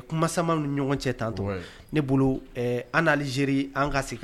Kuma nu ni ɲɔgɔn cɛ tan tɔ. Ne bolo ɛɛ an ni Alizeri an ka sigi ka